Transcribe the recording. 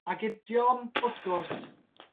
Ag idiom, w'th gwrs